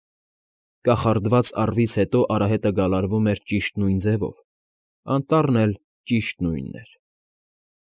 Կախարդված առվից հետո արահետը գալարվում էր ճիշտ նույն ձևով, անտառն էլ ճիշտ ույնն էր։